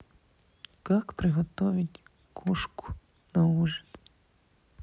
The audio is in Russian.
как приготовить кошку на ужин